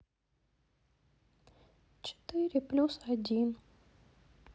четыре плюс один